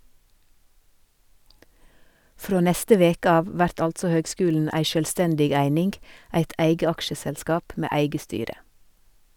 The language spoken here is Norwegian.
Frå neste veke av vert altså høgskulen ei sjølvstendig eining, eit eige aksjeselskap med eige styre.